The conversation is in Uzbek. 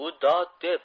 u dod deb